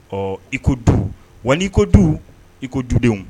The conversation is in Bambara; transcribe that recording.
Ɔ i ko du wa n ii ko du iko dudenw